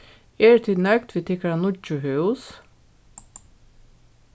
eru tit nøgd við tykkara nýggju hús